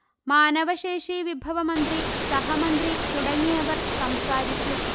മാനവശേഷി വിഭവമന്ത്രി സഹമന്ത്രി തുടങ്ങിയവർ സംസാരിച്ചു